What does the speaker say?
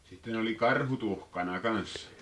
sitten oli karhut uhkana kanssa